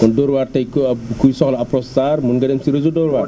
kon Dóor waar tey quoi ku soxla Apronstar mën nga dem si réseau